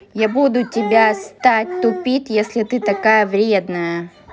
я буду тебя стать тупит если ты такая вредная